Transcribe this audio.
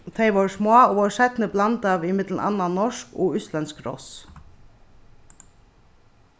tey vóru smá og vórðu seinni blandað við millum annað norsk og íslendsk ross